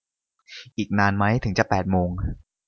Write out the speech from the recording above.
อีกนานไหมกว่าจะแปดโมง